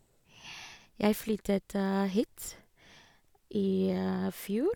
Jeg flyttet hit i fjor.